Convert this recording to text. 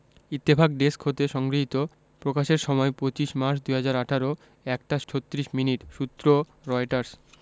Ittefaq desk হতে সংগৃহীত প্রকাশের সময় ২৫মার্চ ২০১৮ ১ টা ৩৬ মিনিট সূত্রঃ রয়টার্স